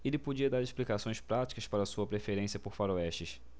ele podia dar explicações práticas para sua preferência por faroestes